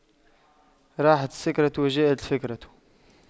راحت السكرة وجاءت الفكرة